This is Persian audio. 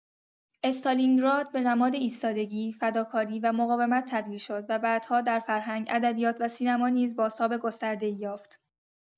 استالینگراد به نماد ایستادگی، فداکاری و مقاومت تبدیل شد و بعدها در فرهنگ، ادبیات و سینما نیز بازتاب گسترده‌ای یافت.